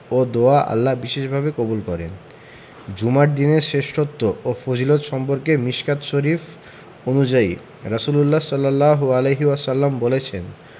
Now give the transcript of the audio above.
ও দোয়া আল্লাহ বিশেষভাবে কবুল করেন জুমার দিনের শ্রেষ্ঠত্ব ও ফজিলত সম্পর্কে মিশকাত শরিফ অনুযায়ী রাসুলুল্লাহ সা বলেছেন